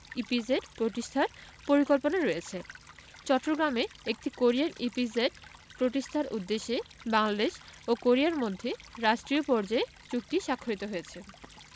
EPZ প্রতিষ্ঠার পরিকল্পনা রয়েছে চট্টগ্রামে একটি কোরিয়ান ইপিজেড প্রতিষ্ঠার উদ্দেশ্যে বাংলাদেশ ও কোরিয়ার মধ্যে রাষ্ট্রীয় পর্যায়ে চুক্তি স্বাক্ষরিত হয়েছে